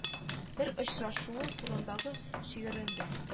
Бер очрашуы турындагы шигырендә